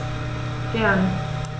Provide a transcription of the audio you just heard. Gern.